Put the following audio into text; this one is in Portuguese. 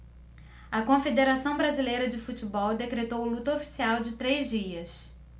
a confederação brasileira de futebol decretou luto oficial de três dias